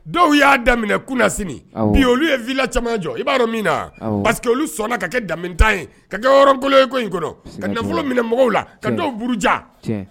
Dɔw y'a daminɛ kun sini bi olu ye vi caman jɔ i b'a dɔn min naseke sɔnna ka kɛ daminɛtan ye ka kɛkolon in ka nafolo minɛ mɔgɔw la ka dɔw b ja